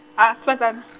a- seven .